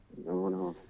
jaam woni toon